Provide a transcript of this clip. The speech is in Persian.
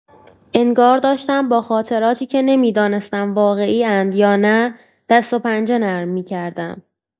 انگار داشتم با خاطراتی که نمی‌دانستم واقعی‌اند یا نه، دست‌وپنجه نرم می‌کردم.